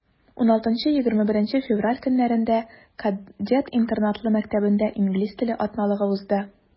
16-21 февраль көннәрендә кадет интернатлы мәктәбендә инглиз теле атналыгы узды.